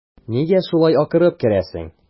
Нигә шулай акырып керәсең?